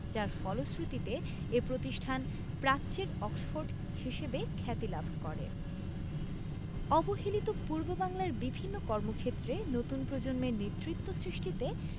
যার ফলশ্রুতিতে এ প্রতিষ্ঠান প্রাচ্যের অক্সফোর্ড হিসেবে খ্যাতি লাভ করে অবহেলিত পূর্ববাংলার বিভিন্ন কর্মক্ষেত্রে নতুন প্রজন্মের নেতৃত্ব সৃষ্টিতে